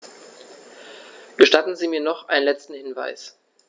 Gestatten Sie mir noch einen letzten Hinweis.